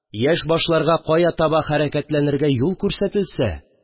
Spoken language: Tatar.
Яшь башларга кая таба хәрәкәтләнергә юл күрсәтелсә